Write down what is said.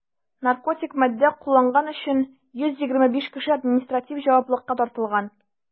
Наркотик матдә кулланган өчен 125 кеше административ җаваплылыкка тартылган.